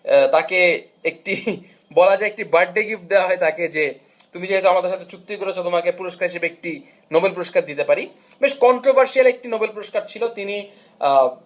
তাকে একটি বলা যায় তাকে একটি বার্থডে গিফট দেওয়া হয় তাকে যে তুমি যেহেতু আমাদের সাথে চুক্তি করেছে তোমাকে পুরস্কার হিসেবে একটি নোবেল পুরস্কার দিতে পারি বেশ কন্ট্রোভার্সিয়াল একটি নোবেল পুরস্কার ছিল তিনি